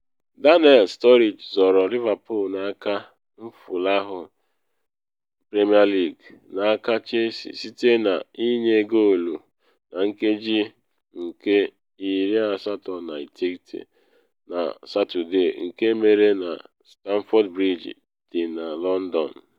Daniel Sturridge zọrọ Liverpool n’aka nfụlahụ Premier League n’aka Chelsea site na ịnye goolu na nkeji nke 89 na Satode nke mere na Stamford Bridge dị na London.